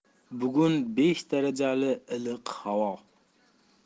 bugun besh darajali iliq havo